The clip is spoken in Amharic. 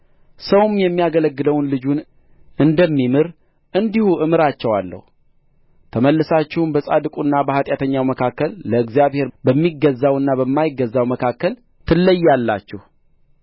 ሰውም የሚያገለግለውን ልጁን እንደሚምር እንዲሁ እምራቸዋለሁ ተመልሳችሁም በጻድቁና በኃጢአተኛው መካከል ለእግዚአብሔር በሚገዛውና በማይገዛው መካከል ትለያላችሁ